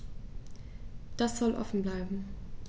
Das soll offen bleiben.